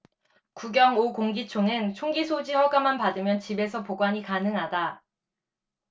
구경 오 공기총은 총기소지 허가만 받으면 집에서 보관이 가능하다